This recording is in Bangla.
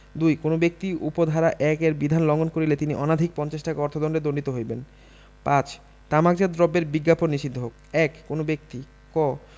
২ কোন ব্যক্তি উপ ধারা ১ এর বিধান লংঘন করিলে তিনি অনধিক পঞ্চাশ টাকা অর্থদন্ডে দন্ডনীয় হইবেন ৫ তামাকজপাত দ্রব্যের বিজ্ঞাপন নিষিদ্ধঃ ১ কোন ব্যক্তিঃ ক